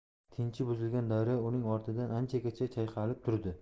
tinchi buzilgan daryo uning ortidan anchagacha chayqalib turdi